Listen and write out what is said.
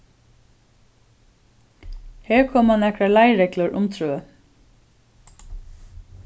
her koma nakrar leiðreglur um trø